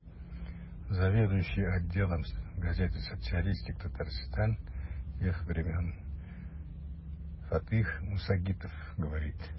«социалистик татарстан» газетасының ул чаклардагы бүлек мөдире фатыйх мөсәгыйтов сөйли.